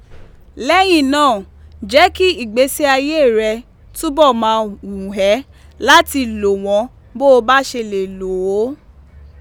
Lẹ́yìn náà, jẹ́ kí ìgbésí ayé rẹ túbọ̀ máa wù ẹ́ láti lò wọ́n bó o bá ṣe lè lò ó.